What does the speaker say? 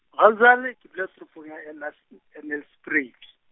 ga bjale ke dula toropong ya e Nas- , e Nelspruit.